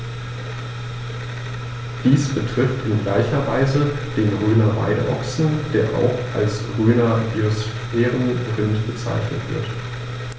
Dies betrifft in gleicher Weise den Rhöner Weideochsen, der auch als Rhöner Biosphärenrind bezeichnet wird.